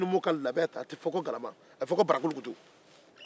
n'i numuw ka labɛn te a te fɔ ko galama a bɛ fɔ ko barakulukutu